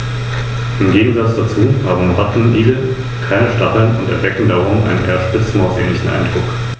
Einfacher zu betrachten ist die üppige Vegetation.